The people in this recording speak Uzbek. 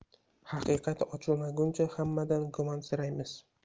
haqiqat ochilmaguncha hammadan gumonsiraymiz